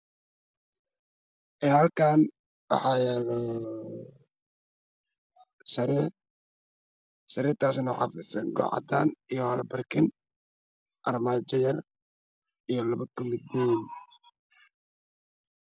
halka waxa yalo sariir sarirtasna waxa fidsan go cadan iyo Hal Barkin armaja yar iyo laba komadin